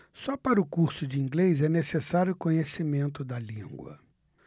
só para o curso de inglês é necessário conhecimento da língua